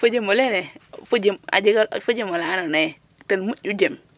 fo jem olene fojem a jega fo jem ola andoona ye ten moƴu jem.